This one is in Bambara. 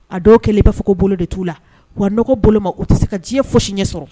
A dɔw kɛlen i b'a fɔ' bolo de t'u la'a n dɔgɔ bolo u tɛ se ka diɲɛ foyi si ɲɛ sɔrɔ